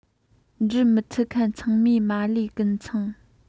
འབྲི མི ཐུབ མཁན ཚང མས མ ལུས ཀུན ཚང